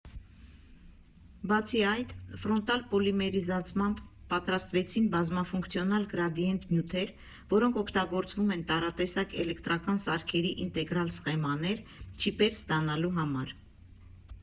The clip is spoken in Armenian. Բացի այդ, ֆրոնտալ պոլիմերիզացմամբ պատրաստվեցին բազմաֆունկցիոնալ գրադիենտ նյութեր, որոնք օգտագործվում են տարատեսակ էլեկտրական սարքերի ինտեգրալ սխեմաներ՝ չիպեր ստանալու համար։